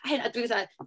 a dwi fatha...